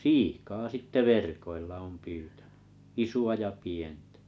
siikaa sitten verkoilla olen pyytänyt isoa ja pientä